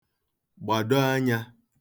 gbàdo anyā